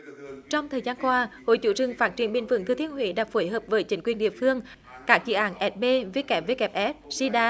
trong thời gian qua hội chủ rừng phát triển bền vững thừa thiên huế đã phối hợp với chính quyền địa phương các dự án ét bê vê kép vê kép ép xi đa